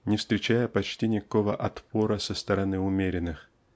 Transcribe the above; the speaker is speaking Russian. не встречая почти никакого отпора со стороны умеренных.